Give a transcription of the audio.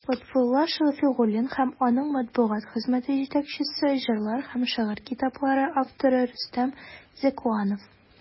Лотфулла Шәфигуллин һәм аның матбугат хезмәте җитәкчесе, җырлар һәм шигырь китаплары авторы Рөстәм Зәкуанов.